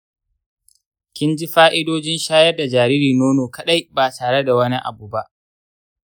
kin ji fa’idojin shayar da jariri nono kaɗai ba tare da wani abu ba?